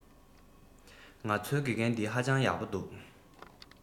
ང ཚོའི དགེ རྒན འདི ཧ ཅང ཡག པོ འདུག